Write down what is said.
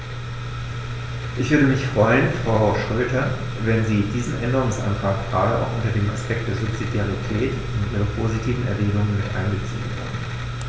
Ich würde mich freuen, Frau Schroedter, wenn Sie diesen Änderungsantrag gerade auch unter dem Aspekt der Subsidiarität in Ihre positiven Erwägungen mit einbeziehen würden.